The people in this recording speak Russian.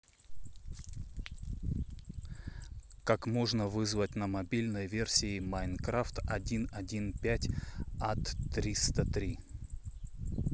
как можно вызвать на мобильной версии minecraft один один пять att триста три